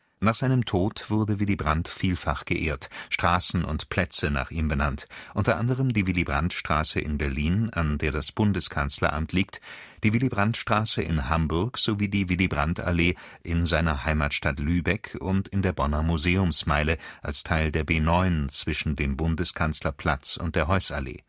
Nach seinem Tode wurde Willy Brandt vielfach geehrt, Straßen und Plätze nach ihm benannt, unter anderem die Willy-Brandt-Straße in Berlin, an der das Bundeskanzleramt liegt, die Willy-Brandt-Straße in Hamburg sowie die Willy-Brandt-Allee in seiner Heimatstadt Lübeck und in der Bonner Museumsmeile als Teil der B9 zwischen dem Bundeskanzlerplatz und der Heussallee